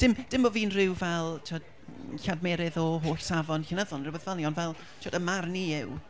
Dim, dim bod fi'n rhyw fel tibod lladmerydd o holl safon llenyddol neu rhywbeth fel 'ny ond fel timod, 'y marn i yw...